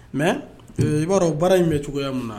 Mais ee i ba dɔn baara in bɛ cogoyaya mun na?